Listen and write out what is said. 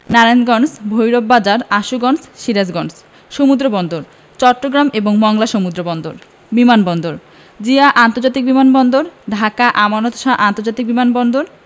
নারায়ণগঞ্জ ভৈরব বাজার আশুগঞ্জ সিরাজগঞ্জ সমুদ্রবন্দরঃ চট্টগ্রাম এবং মংলা সমুদ্রবন্দর বিমান বন্দরঃ জিয়া আন্তর্জাতিক বিমান বন্দর ঢাকা আমানত শাহ্ আন্তর্জাতিক বিমান বন্দর